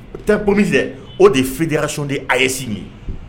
U taa pmi fɛ o de ye fitirirason de ye a yesi ye